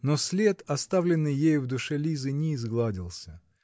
Но след, оставленный ею в душе Лизы, не изгладился.